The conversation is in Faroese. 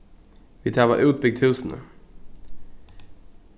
vit hava útbygt húsini